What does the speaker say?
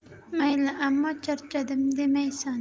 mayli ammo charchadim demaysan